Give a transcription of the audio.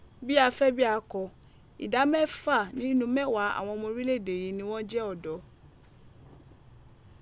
Bi a fẹ bi a kọ, ida mẹfa ninu mẹwa awọn ọmọ orilẹ ede yii ni wọn jẹ ọdọ.